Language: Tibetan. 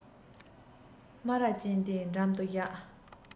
སྨ ར ཅན དེའི འགྲམ དུ བཞག